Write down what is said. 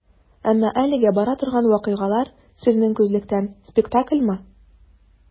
Әмма әлегә бара торган вакыйгалар, сезнең күзлектән, спектакльмы?